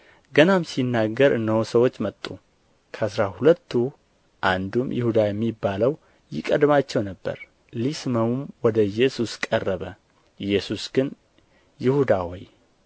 ገናም ሲናገር እነሆ ሰዎች መጡ ከአሥራ ሁለቱ አንዱም ይሁዳ የሚባለው ይቀድማቸው ነበር ሊስመውም ወደ ኢየሱስ ቀረበ ኢየሱስ ግን ይሁዳ ሆይ